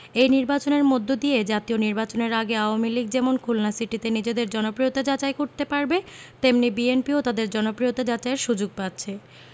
এই নির্বাচনের মধ্য দিয়ে জাতীয় নির্বাচনের আগে আওয়ামী লীগ যেমন খুলনা সিটিতে নিজেদের জনপ্রিয়তা যাচাই করতে পারবে তেমনি বিএনপিও তাদের জনপ্রিয়তা যাচাইয়ের সুযোগ পাচ্ছে